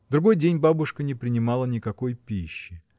Другой день бабушка не принимала никакой пищи.